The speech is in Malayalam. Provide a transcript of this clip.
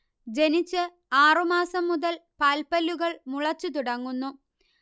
ജനിച്ച് ആറുമാസം മുതൽ പാൽപ്പല്ലുകൾ മുളച്ചുതുടങ്ങുന്നു